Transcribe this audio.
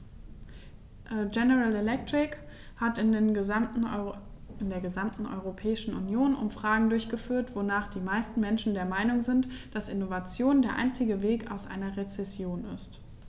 General Electric hat in der gesamten Europäischen Union Umfragen durchgeführt, wonach die meisten Menschen der Meinung sind, dass Innovation der einzige Weg aus einer Rezession ist.